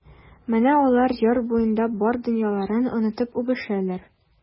Менә алар яр буенда бар дөньяларын онытып үбешәләр.